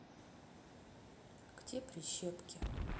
где прищепки